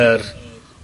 yr